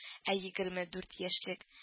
Ә егерме дүрт яшьлек